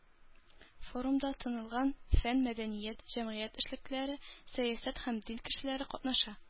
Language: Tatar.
Форумда танылган фән, мәдәният, җәмәгать эшлекләре, сәясәт һәм дин кешеләре катнаша.